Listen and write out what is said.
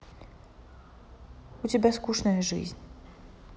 у тебя скучная жизнь